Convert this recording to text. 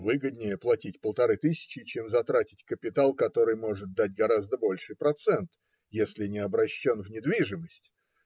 Выгоднее платить полторы тысячи, чем затратить капитал, который может дать гораздо больший процент, если не обращен в недвижимость.